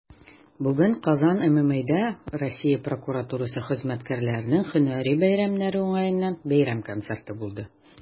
Бүген "Казан" ММҮдә Россия прокуратурасы хезмәткәрләренең һөнәри бәйрәмнәре уңаеннан бәйрәм концерты булды.